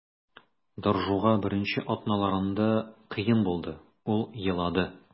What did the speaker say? Доржуга беренче атналарда кыен булды, ул елады.